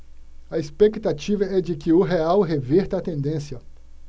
a expectativa é de que o real reverta a tendência